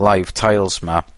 live tiles 'ma.